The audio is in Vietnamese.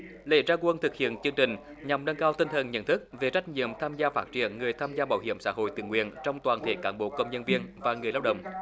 lễ ra quân thực hiện chương trình nhằm nâng cao tinh thần nhận thức về trách nhiệm tham gia phát triển người tham gia bảo hiểm xã hội tự nguyện trong toàn thể cán bộ công nhân viên và người lao động